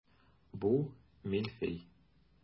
Бу мильфей.